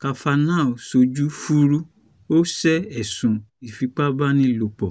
Kavanaugh ṣojú fuúrú, ó sẹ́ ẹ̀sùn ìfipábánilopò